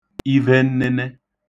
ivhennene